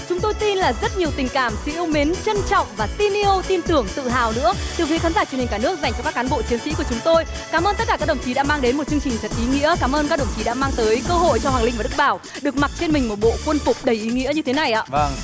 chúng tôi tin là rất nhiều tình cảm sự yêu mến trân trọng và tin yêu tin tưởng tự hào nữa từ phía khán giả truyền hình cả nước dành cho các cán bộ chiến sĩ của chúng tôi cám ơn tất cả các đồng chí đã mang đến một chương trình thật ý nghĩa cảm ơn các đồng chí đã mang tới cơ hội cho hoàng linh và đức bảo được mặc trên mình bộ quân phục đầy ý nghĩa như thế này ạ